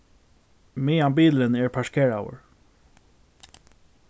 meðan bilurin er parkeraður